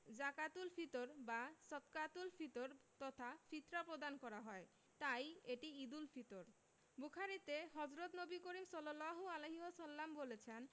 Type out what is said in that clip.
জাকাতুল ফিতর বা সদকাতুল ফিতর তথা ফিতরা প্রদান করা হয় তাই এটি ঈদুল ফিতর বুখারিতে হজরত নবী করিম সা বলেছেন